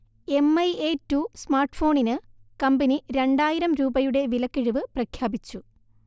Mi A two സ്മാർട്ഫോണിന് company രണ്ടായിരം രൂപയുടെ വിലക്കിഴിവ് പ്രഖ്യാപിച്ചു